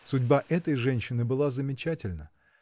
Судьба этой женщины была замечательна.